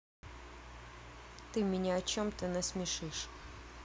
ты меня о чем то насмешишь